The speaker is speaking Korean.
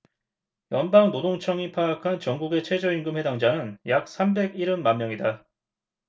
연방노동청이 파악한 전국의 최저임금 해당자는 약 삼백 일흔 만명이다